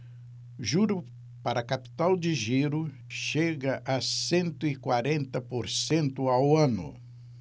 juro para capital de giro chega a cento e quarenta por cento ao ano